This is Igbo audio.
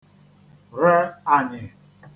re ànyị̀